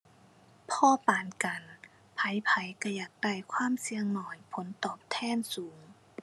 พอปานกัน ไผไผก็อยากได้ความเสี่ยงน้อย ผลตอบแทนสูง